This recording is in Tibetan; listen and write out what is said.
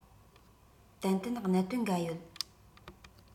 ཏན ཏན གནད དོན འགའ ཡོད